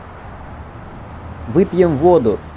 выпьем воду